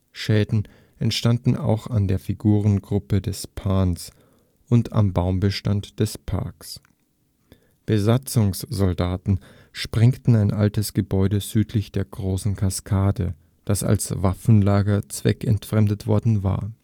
Schäden entstanden auch an der Figurengruppe des Pan und am Baumbestand des Parks. Besatzungssoldaten sprengten ein altes Gebäude südlich der Großen Kaskade, das als Waffenlager zweckentfremdet worden war